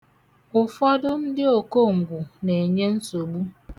Ụfọdụ ndị okongwu na-enye nsogbu.